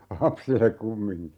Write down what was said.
lapsille kumminkin